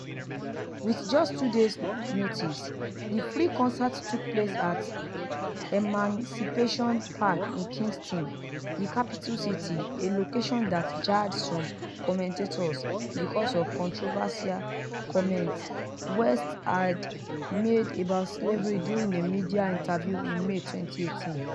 With just two days’ notice, the free concert took place at Emancipation Park in Kingston, the capital city — a location that jarred some commentators because of controversial comments West had made about slavery during a media interview in May 2018.